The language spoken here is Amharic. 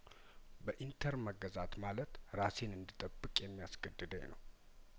በኢንተር መገዛት ማለት ራሴን እንድ ጠብቅ የሚያስ ገድደኝ ነው